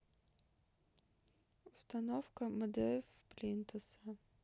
установка мдф плинтуса